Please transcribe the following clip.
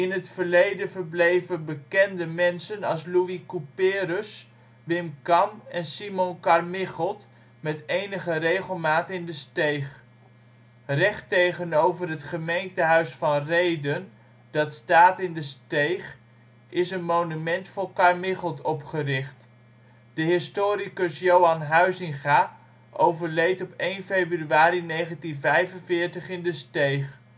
het verleden verbleven bekende mensen als Louis Couperus, Wim Kan en Simon Carmiggelt met enige regelmaat in De Steeg. Recht tegenover het gemeentehuis van Rheden, dat staat in De Steeg, is een monument voor Carmiggelt opgericht. De historicus Johan Huizinga overleed op 1 februari 1945 in De Steeg